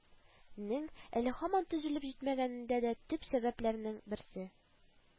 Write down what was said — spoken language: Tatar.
Нең әле һаман төзелеп җитмәвенең дә төп сәбәпләренең берсе